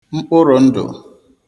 mkpụrụ̄n̄dù